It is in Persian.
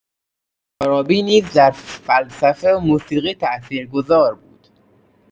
فارابی نیز در فلسفه و موسیقی تأثیرگذار بود.